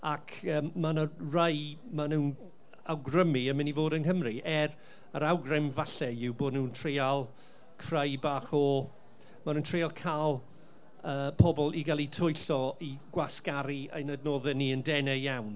ac yy ma' 'na rai ma' nhw yn awgrymu yn mynd i fod yng Nghymru, er yr awgrym falle yw bod nhw'n trial creu bach o... ma' nhw'n trial cael yy pobl i gael eu twyllo i gwasgaru ein adnoddau ni yn denau iawn.